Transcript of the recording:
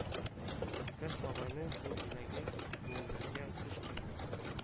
Кыш бабайның бу бүләге күңелләргә хуш килде